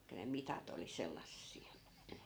tai ne mitat oli sellaisia